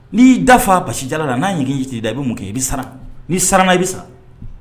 N'' pa dala la n'a ɲɛ k i da i bɛ mun kɛ i bɛ sara ni sara i bɛ sara